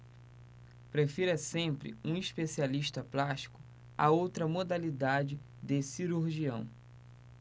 prefira sempre um especialista plástico a outra modalidade de cirurgião